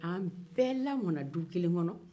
an bɛɛ lamɔna du kelen kɔnɔ